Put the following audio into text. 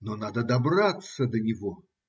Но надо добраться до него.